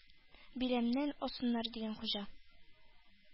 Билемнән ассыннар,— дигән Хуҗа.